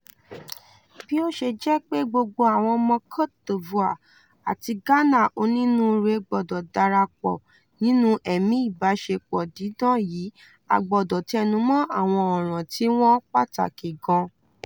Bí ó ṣe jẹ́ pé gbogbo àwọn ọmọ Cote d'Ivoire àti Ghana onínúure gbọdọ̀ darapọ̀ nínú ẹ̀mí ìbáṣepọ̀ dídán yìí a gbọdọ̀ tẹnumọ́ àwọn ọ̀ràn tí wọ́n pàtàkì gan.